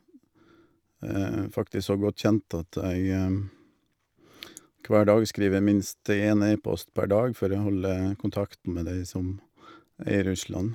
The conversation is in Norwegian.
Faktisk så godt kjent at jeg hver dag skriver jeg minst én e-post per dag for å holde kontakten med de som er i Russland.